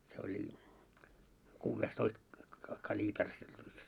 se oli kuudentoista - kaliiperin se pyssy